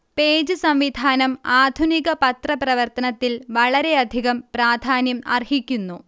page സംവിധാനം ആധുനിക പത്രപ്രവർത്തനത്തിൽ വളരെയധികം പ്രാധാന്യം അർഹിക്കുന്നു